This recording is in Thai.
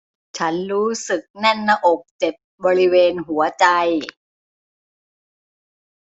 ฉันรู้สึกแน่นหน้าอกเจ็บบริเวณหัวใจ